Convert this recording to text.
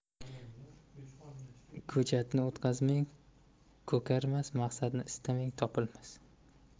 ko'chatni o'tqazmasang ko'karmas maqsadni istamasang topilmas